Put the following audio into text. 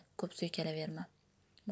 ko'p suykalaverma